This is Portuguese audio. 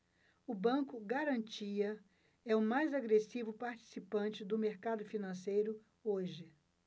o banco garantia é o mais agressivo participante do mercado financeiro hoje